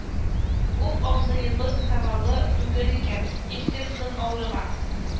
Уф, абзыебыз һавалы түгел икән, иркен тын алырга